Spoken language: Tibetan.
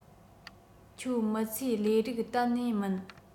ཁྱོའི མི ཚེའི ལས རིགས གཏན ནས མིན